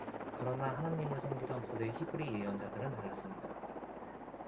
그러나 하느님을 섬기던 고대 히브리 예언자들은 달랐습니다